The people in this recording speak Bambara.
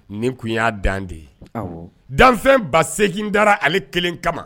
Nin tun y'a dan de ye danfɛn ba segin dara ale kelen kama